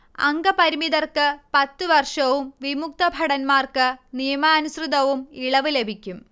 അംഗപരിമിതർക്ക് പത്ത് വർഷവും വിമുക്തഭടന്മാർക്ക് നിയമാനുസൃതവും ഇളവ് ലഭിക്കും